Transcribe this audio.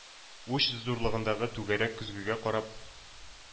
Уч зурлыгындагы түгәрәк көзгегә карап